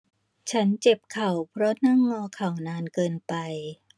ฉันเจ็บเข่าเพราะนั่งงอเข่านานเกินไป